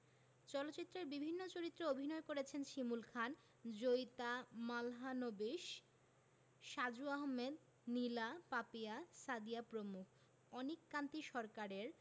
চলচ্চিত্রের বিভিন্ন চরিত্রে অভিনয় করেছেন শিমুল খান জয়িতা মাহলানোবিশ সাজু আহমেদ নীলা পাপিয়া সাদিয়া প্রমুখ অনিক কান্তি সরকারের